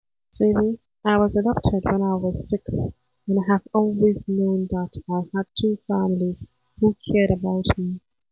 CB: I was adopted when I was six and I have always known that I had two families who cared about me.